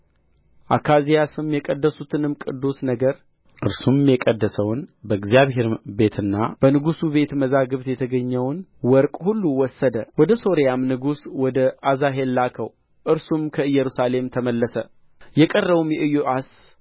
አካዝያስም የቀደሱትን ቅዱስ ነገር እርሱም የቀደሰውን በእግዚአብሔርም ቤትና በንጉሡ ቤት መዛግብት የተገኘውን ወርቅ ሁሉ ወሰደ ወደ ሶርያም ንጉሥ ወደ አዛሄል ላከው እርሱም ከኢየሩሳሌም ተመለሰ የቀረውም የኢዮአስ